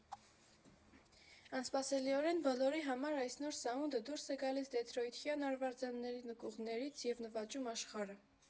Անսպասելիորեն բոլորի համար այս նոր սաունդը դուրս է գալիս դեթրոյթյան արվարձանների նկուղներից և նվաճում աշխարհը։